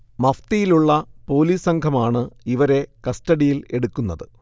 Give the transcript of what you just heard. മഫ്തിയിലുള്ള police സംഘമാണ് ഇവരെ കസ്റ്റഡിയിൽ എടുക്കുന്നത്